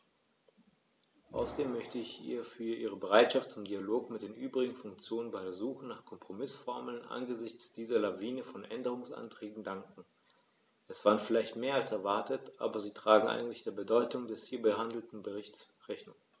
Außerdem möchte ich ihr für ihre Bereitschaft zum Dialog mit den übrigen Fraktionen bei der Suche nach Kompromißformeln angesichts dieser Lawine von Änderungsanträgen danken; es waren vielleicht mehr als erwartet, aber sie tragen eigentlich der Bedeutung des hier behandelten Berichts Rechnung.